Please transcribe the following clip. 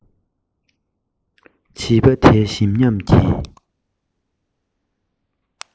བྱིས པ དེའི ཞིམ ཉམས ཀྱི